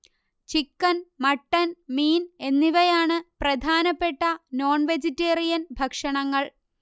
chicken mutton മീൻ എന്നിവയാണ് പ്രധാനപ്പെട്ട നോൺവെജിറ്റേറിയൻ ഭക്ഷണങ്ങൾ